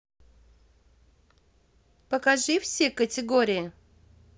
покажи все категории